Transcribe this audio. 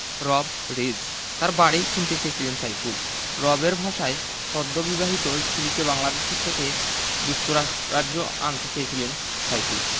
রব রিজ তাঁর বাড়ি কিনতে চেয়েছিলেন সাইফুল রবের ভাষায় সদ্যবিবাহিত স্ত্রীকে বাংলাদেশ থেকে যুক্তরাজ্যে আনতে চেয়েছিলেন সাইফুল